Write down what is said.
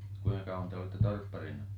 kuinka kauan te olitte torpparina